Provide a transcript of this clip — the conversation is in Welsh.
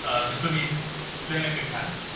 Ddudwn ni ddeg y cant.